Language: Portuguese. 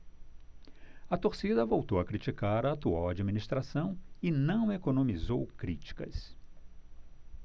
a torcida voltou a criticar a atual administração e não economizou críticas